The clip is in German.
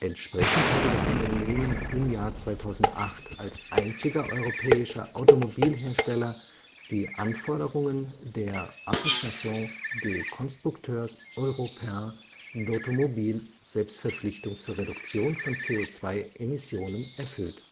Entsprechend hatte das Unternehmen im Jahr 2008 als einziger europäischer Automobilhersteller die Anforderungen der ACEA-Selbstverpflichtung zur Reduktion von CO2-Emissionen erfüllt